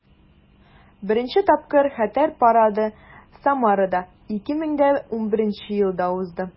Беренче тапкыр Хәтер парады Самарада 2011 елда узды.